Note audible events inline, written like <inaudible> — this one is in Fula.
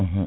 <hesitation> <hesitation>